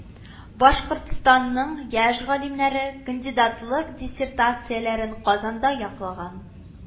Башкортсанның яшь галимнәре кандидатлык диссертацияләрен Казанда яклаган